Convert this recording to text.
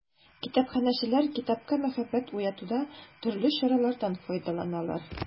Китапханәчеләр китапка мәхәббәт уятуда төрле чаралардан файдаланалар.